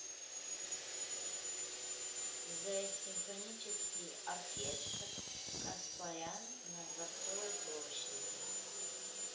the симфонический оркестр каспаряна на дворцовой площади